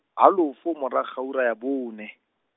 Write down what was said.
halofo morago ga ura ya bone.